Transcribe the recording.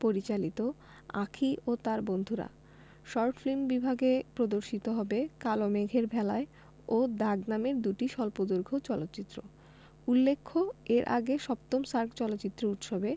পরিচালিত আঁখি ও তার বন্ধুরা শর্ট ফিল্ম বিভাগে প্রদর্শিত হবে কালো মেঘের ভেলায় ও দাগ নামের দুটি স্বল্পদৈর্ঘ চলচ্চিত্র উল্লেখ্য এর আগে ৭ম সার্ক চলচ্চিত্র উৎসব